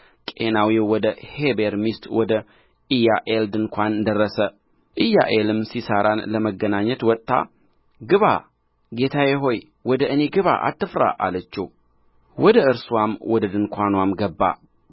ቄናዊው ወደ ሔቤር ሚስት ወደ ኢያዔል ድንኳን ደረሰ ኢያዔልም ሲሣራን ለመገናኘት ወጥታ ግባ ጌታዬ ሆይ ወደ እኔ ግባ አትፍራ አለችው ወደ እርስዋም ወደ ድንኳንዋ ገባ